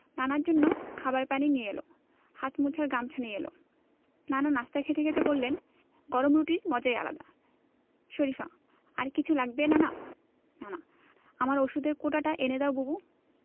নানার জন্য খাবার পানি নিয়ে এলো হাত মোছার গামছা নিয়ে এলো নানা নাশতা খেতে খেতে বললেন গরম রুটির মজাই আলাদা শরিফা আর কিছু লাগবে নানা নানা আমার ঔষধের কৌটোটা এনে দাও বুবু